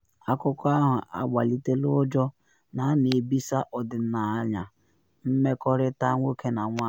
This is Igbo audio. Akụkọ ahụ agbalitela ụjọ na a na ebisa ọdịnaya mmekọrịta nwoke na nwanyị.